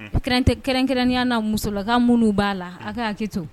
Kɛrɛn-kɛrɛnya na musolakan minnu b'a la hakɛ ka y'aki to